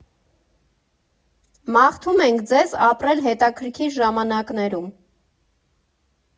Մաղթում ենք ձեզ ապրել հետաքրքիր ժամանակներում։